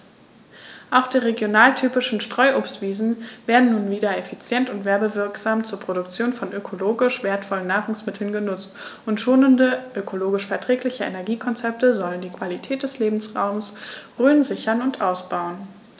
Auch die regionaltypischen Streuobstwiesen werden nun wieder effizient und werbewirksam zur Produktion von ökologisch wertvollen Nahrungsmitteln genutzt, und schonende, ökologisch verträgliche Energiekonzepte sollen die Qualität des Lebensraumes Rhön sichern und ausbauen.